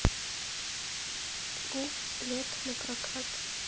гуф лето на прокат